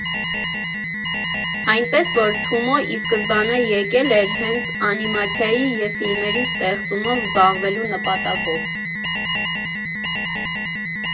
Այնպես որ՝ Թումո ի սկզբանե եկել էր հենց անիմացիայի և ֆիլմերի ստեղծումով զբաղվելու նպատակով։